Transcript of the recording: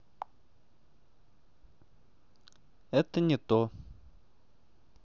это не то